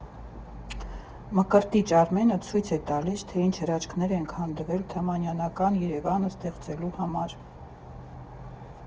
Մկրտիչ Արմենը ցույց է տալիս, թե ինչ հրաշքներ են քանդվել թամանյանական Երևան ստեղծելու համար։